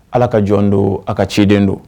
Ala ka jɔn don aw ka ciden don